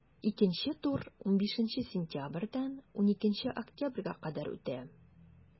Икенче тур 15 сентябрьдән 12 октябрьгә кадәр үтә.